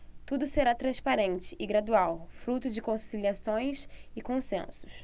tudo será transparente e gradual fruto de conciliações e consensos